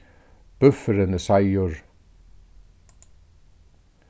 búffurin er seigur